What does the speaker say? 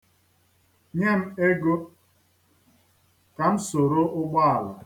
Nye m ego ka m soro ụgbọala.